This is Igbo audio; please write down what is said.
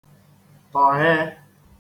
tọghẹ